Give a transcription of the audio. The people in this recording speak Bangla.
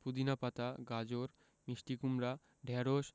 পুদিনা পাতা গাজর মিষ্টি কুমড়া ঢেঁড়স